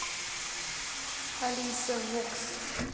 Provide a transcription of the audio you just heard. алиса вокс